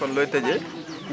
kon looy tëjee